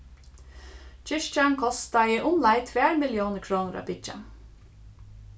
kirkjan kostaði umleið tvær milliónir krónur at byggja